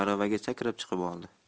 aravaga sakrab chiqib oldi